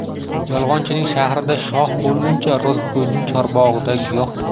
yolg'onchining shahrida shoh bo'lguncha rostgo'yning chorbog'ida giyoh bo'l